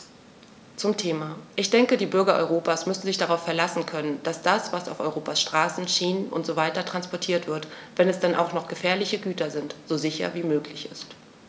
Zum Thema: Ich denke, die Bürger Europas müssen sich darauf verlassen können, dass das, was auf Europas Straßen, Schienen usw. transportiert wird, wenn es denn auch noch gefährliche Güter sind, so sicher wie möglich ist.